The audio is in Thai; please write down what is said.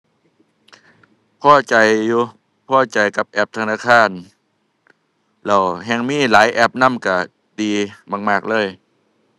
พอใจอยู่ พอใจกับแอปธนาคาร แล้วแฮ่งมีหลายแอปนำก็ดีมากมากเลย